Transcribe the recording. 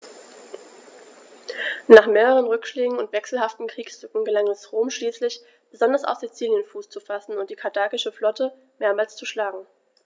Nach mehreren Rückschlägen und wechselhaftem Kriegsglück gelang es Rom schließlich, besonders auf Sizilien Fuß zu fassen und die karthagische Flotte mehrmals zu schlagen.